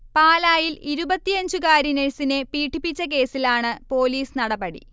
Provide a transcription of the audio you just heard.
പാലായിൽ ഇരുപത്തിയഞ്ചുകാരി നഴ്സിനെ പീഡിപ്പിച്ച കേസിലാണ് പോലീസ് നടപടി